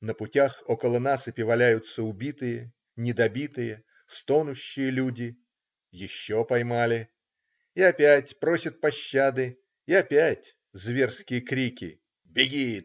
На путях около насыпи валяются убитые, недобитые, стонущие люди. Еще поймали. И опять просит пощады. И опять зверские крики. "Беги.